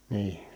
niin